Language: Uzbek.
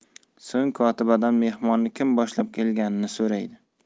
so'ng kotibadan mehmonni kim boshlab kelganini so'raydi